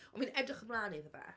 Ond fi'n edrych ymlaen iddo fe.